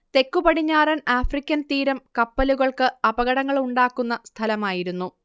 തെക്കുപടിഞ്ഞാറൻ ആഫ്രിക്കൻ തീരം കപ്പലുകൾക്ക് അപകടങ്ങൾ ഉണ്ടാക്കുന്ന സ്ഥലമായിരുന്നു